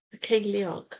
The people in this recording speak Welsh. Y ceiliog.